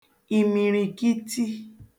ìmìrìkiti